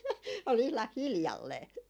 oli ihan hiljalleen